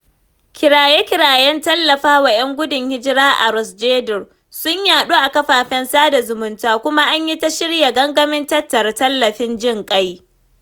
Kiraye-kirayen tallafa wa ‘yan gudun hijira a Ras Jdir sun yaɗu a kafafen sada zumunta, kuma an yi ta shirya gangamin tattara tallafin jin ƙai.